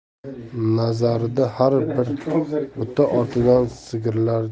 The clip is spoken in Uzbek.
nazarida har bir buta ortidan sigirlar